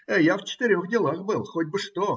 - Я в четырех делах был, хоть бы что!